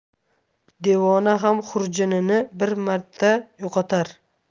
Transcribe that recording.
devona ham xurjunini bir marta yo'qotar